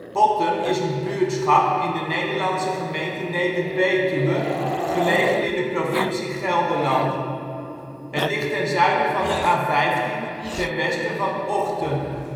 Pottum is een buurtschap in de Nederlandse gemeente Neder-Betuwe, gelegen in de provincie Gelderland. Het ligt ten zuiden van de A15 ten westen van Ochten